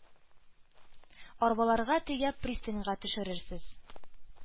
Арбаларга төяп пристаньга төшерерсез.